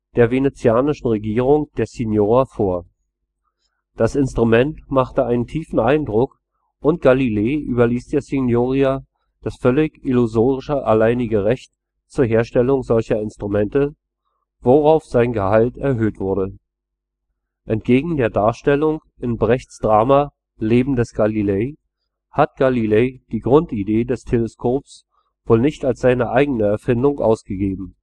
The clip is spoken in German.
der venezianischen Regierung – der Signoria – vor. Das Instrument machte einen tiefen Eindruck und Galilei überließ der Signoria das völlig illusorische alleinige Recht zur Herstellung solcher Instrumente, woraufhin sein Gehalt erhöht wurde. Entgegen der Darstellung in Brechts Drama Leben des Galilei hat Galilei die Grundidee des Teleskops wohl nicht als seine eigene Erfindung ausgegeben